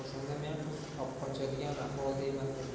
o'shanda men qiz obqochadigan ahvolda emas edim